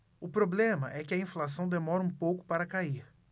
o problema é que a inflação demora um pouco para cair